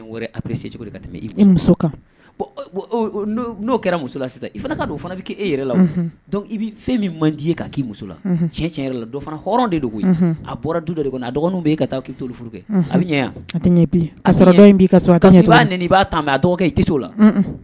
'o kɛra musola sisan i fana fana' e yɛrɛ la i fɛn min man di yei muso cɛn tiɲɛ yɛrɛ la fana hɔrɔn de a bɔra du dɔ de a dɔgɔnin bɛ ka taa k'i furu kɛ a bɛ ɲɛ a tɛ ka b'a i tɛ' la